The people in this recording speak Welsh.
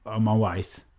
Ond mae'n waith.